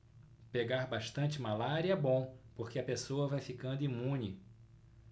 pegar bastante malária é bom porque a pessoa vai ficando imune